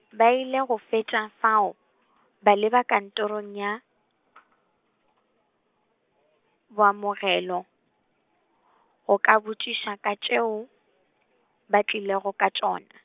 ba ile go feta fao , ba leba kantorong ya , boamogelo , go ka botšišiša ka tšeo, ba tlilego ka tšona.